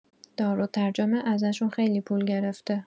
دارالترجمه ازشون خیلی پول گرفته